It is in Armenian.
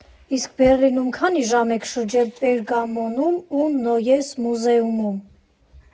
Իսկ Բեռլինում քանի՞ ժամ եք շրջել Պերգամոնում ու Նոյես Մուզեումում։